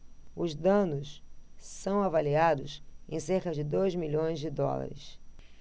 os danos são avaliados em cerca de dois milhões de dólares